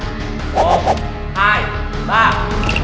một hai ba